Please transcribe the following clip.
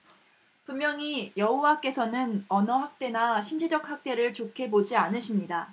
분명히 여호와께서는 언어 학대나 신체적 학대를 좋게 보지 않으십니다